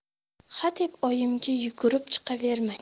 hadeb oyimga yugurib chiqavermang